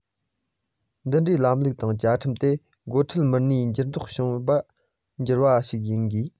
འདི འདྲའི ལམ ལུགས དང བཅའ ཁྲིམས དེ འགོ ཁྲིད མི སྣའི འགྱུར ལྡོག བཞིན མི འགྱུར བ ཞིག ཡིན དགོས